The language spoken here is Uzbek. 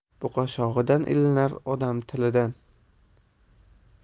buqa shoxidan ilinar odam tilidan